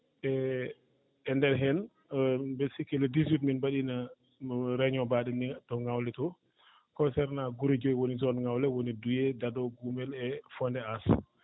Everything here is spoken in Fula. e ndeer heen mbeɗo sikki le 18 min mbaɗiino réunion mbaaɗo nii to ŋawle to concernant gure joyi zone ŋawle woni Douye Dado Goumel e Fonde Ass